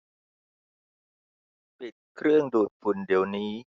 ปิดเครื่องดูดฝุ่นเดี๋ยวนี้